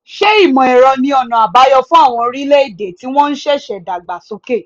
Ṣé ìmọ̀-ẹ̀rọ ni ọ̀nà-àbáyọ fún àwọn orílẹ̀-èdè tí wọ́n sẹ̀sẹ̀ ń dàgbà sókè?